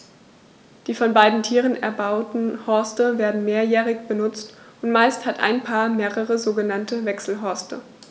Die von beiden Tieren erbauten Horste werden mehrjährig benutzt, und meist hat ein Paar mehrere sogenannte Wechselhorste.